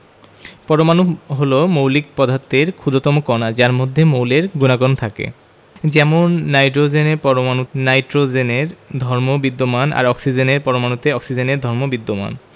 পরমাণু হলো মৌলিক পদার্থের ক্ষুদ্রতম কণা যার মধ্যে মৌলের গুণাগুণ থাকে যেমন নাইট্রোজেনের পরমাণুতে নাইট্রোজেনের ধর্ম বিদ্যমান আর অক্সিজেনের পরমাণুতে অক্সিজেনের ধর্ম বিদ্যমান